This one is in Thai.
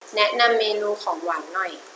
แนะนำเมนูของหวานหน่อย